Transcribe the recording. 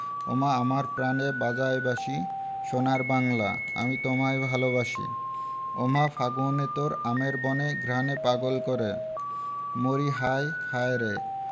ওমা আমার প্রানে বাজায় বাঁশি সোনার বাংলা আমি তোমায় ভালোবাসি ওমা ফাগুনে তোর আমের বনে ঘ্রাণে পাগল করে মরিহায় হায়রে